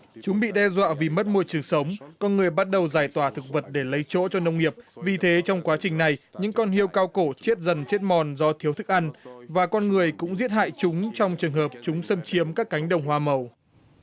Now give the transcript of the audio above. chúng bị đe dọa vì mất môi trường sống con người bắt đầu giải tỏa thực vật để lấy chỗ cho nông nghiệp vì thế trong quá trình này những con hươu cao cổ chết dần chết mòn do thiếu thức ăn và con người cũng giết hại chúng trong trường hợp chúng xâm chiếm các cánh đồng hoa mầu